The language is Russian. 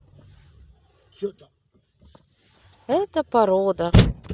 это порода